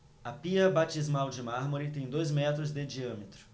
a pia batismal de mármore tem dois metros de diâmetro